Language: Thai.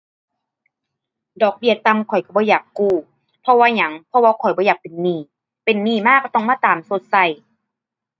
ดอกเบี้ยต่ำข้อยก็บ่อยากกู้ เพราะว่าหยัง เพราะว่าข้อยบ่อยากเป็นหนี้ เป็นหนี้มาก็ต้องมาตามก็ก็